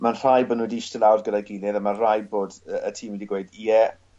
ma'n rhaid bod n'w 'di iste lawr gyda'i gilydd a ma' raid bod yy y tîm wedi gweud ie